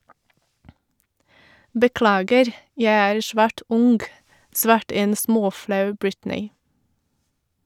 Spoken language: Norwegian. - Beklager, jeg er svært ung, svarte en småflau Britney.